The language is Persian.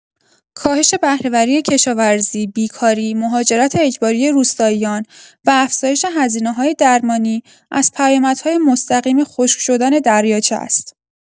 کاهش بهره‌وری کشاورزی، بیکاری، مهاجرت اجباری روستاییان و افزایش هزینه‌های درمانی از پیامدهای مستقیم خشک‌شدن دریاچه است.